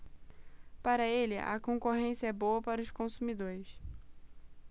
para ele a concorrência é boa para os consumidores